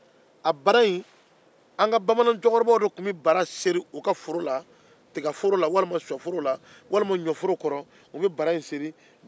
an ka bamanan cɛkɔrɔbaw de tun bɛ bara seri u ka tigaforo walima ɲɔforo kɔrɔ